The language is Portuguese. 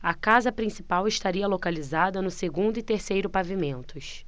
a casa principal estaria localizada no segundo e terceiro pavimentos